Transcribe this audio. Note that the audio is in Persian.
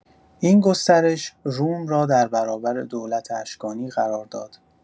این گسترش، روم را در برابر دولت اشکانی قرار داد.